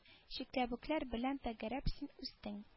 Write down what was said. Чикләвекләр белән тәгәрәп син үстең